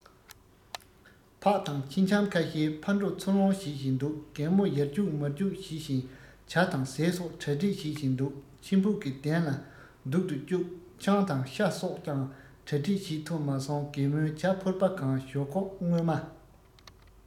ཕག དང ཁྱི འཁྱམ ཁ ཤས ཕར འགྲོ ཚུར འོང བྱེད བཞིན འདུག རྒད མོ ཡར རྒྱུག མར རྒྱུག བྱེད བཞིན ཇ དང ཟས སོགས གྲ སྒྲིག བྱེད བཞིན འདུག ཁྱིམ ཕུག གི གདན ལ འདུག ཏུ བཅུག ཆང དང ཤ སོགས ཀྱང གྲ སྒྲིག བྱེད ཐུབ མ སོང རྒད མོས ཇ ཕོར པ གང ཞོག ཁོག བརྔོས མ